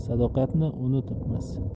sadoqatni unutibmiz